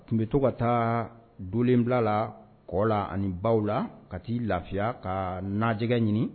Tun bɛ to ka taa donlen bila la kɔ la ani baw la ka taa lafiya ka naajɛgɛ ɲini